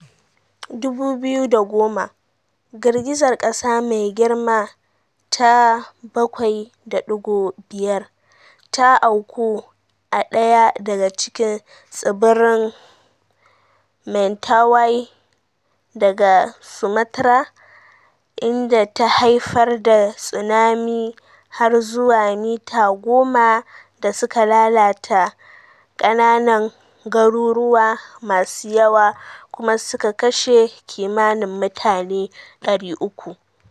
2010: Girgizar kasa mai girma ta 7.5 ta auku a daya daga cikin tsibirin Mentawai, daga Sumatra, inda ta haifar da tsunami har zuwa mita 10 da suka lalata kananan garuruwa masu yawa kuma suka kashe kimanin mutane 300.